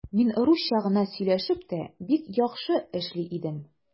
Мин русча гына сөйләшеп тә бик яхшы эшли идем.